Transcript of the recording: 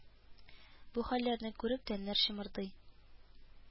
Бу хәлләрне күреп тәннәр чымырдый